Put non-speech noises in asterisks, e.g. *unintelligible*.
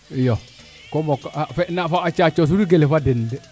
comme fena fo a cacof *unintelligible*